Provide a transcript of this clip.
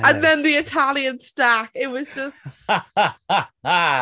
And then the Italian stack, it was just...